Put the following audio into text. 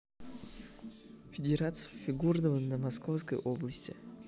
федерация фигурного на московской области